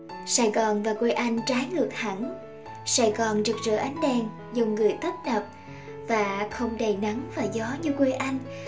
sài gòn và quê anh trái ngược hẳn sài gòn rực rỡ ánh đèn dòng người tấp nập và không đầy nắng và gió như quê anh